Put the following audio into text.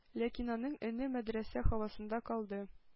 Ләкин аның өне мәдрәсә һавасында калды.